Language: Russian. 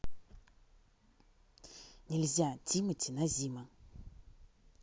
нельзя тимати назима